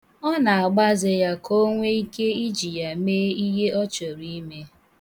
Ọ na-agbaze ya ka o nwee ike iji ya mee ihe ọ chọrọ ime.